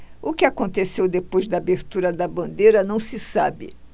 o que aconteceu depois da abertura da bandeira não se sabe